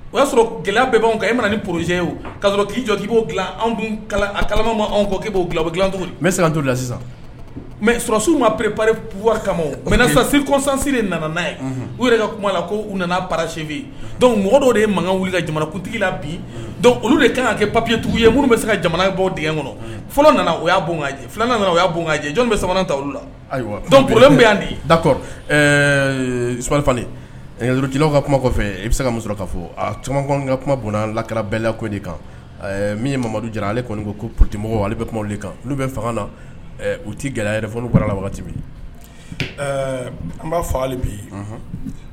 O y'a sɔrɔ kɛlɛ bɛɛ anw e ni pze kasɔrɔ k'i jɔ k b'o kalama anw kɔ k' bɛ se to la sisan mɛ sɔrɔsiw ma perepriwa kama mɛ sasisansiri de nana' ye u yɛrɛ ka kuma la ko u nana pa senfin ŋ dɔ de ye makan wili ka jamana kutigi la bi olu de kan kan kɛ papiye tugun ye minnu bɛ se ka jamana ye bɔ tigɛ kɔnɔ fɔlɔ nana u y' filanan nana u y' jɔn bɛ sabanan ta la ayiwa dɔnku bɛ yan di dakɔrɔ sulaw ka kuma kɔfɛ i bɛ se ka muso k'a fɔ c ka kuma bon lakra bɛɛla de kan min mamadu jara ale kɔni ko porotemmɔgɔw ale bɛ kuma kan n' bɛ fanga na u tɛ gɛlɛya yɛrɛ bɔrala waati wagati an b'a faa ale bi